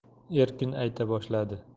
erkin ayta boshladi